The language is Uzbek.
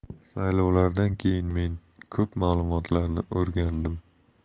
saylovlardan keyin men ko'p ma'lumotlarni o'rgandim